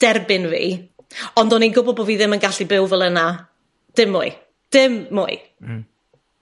derbyn fi. Ond o'n i'n gwbo bo' fi ddim yn gallu byw fel yna dim mwy. Dim mwy. Hmm.